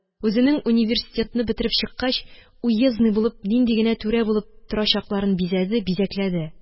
Үзенең университетны бетереп чыккач, уездный2 булып нинди генә түрә булып торачакларын бизәде, бизәкләде